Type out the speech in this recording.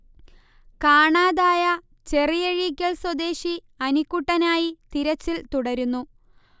കാണാതായ ചെറിയഴീക്കൽ സ്വദേശി അനിക്കുട്ടനായി തിരച്ചിൽ തുടരുന്നു